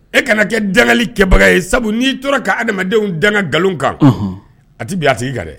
E kana kɛli kɛbaga ye sabu n'i tora ka adamadenw danga nkalon kan a tɛbi ati ka dɛ